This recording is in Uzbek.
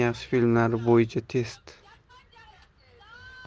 yaxshi filmlari bo'yicha test